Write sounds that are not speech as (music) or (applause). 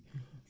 (hesitation) (hesitation)